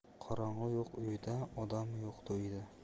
qarnog'i yo'q uyida odami yo'q to'yida